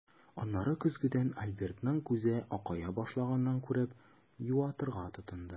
Аннары көзгедән Альбертның күзе акая башлаганын күреп, юатырга тотынды.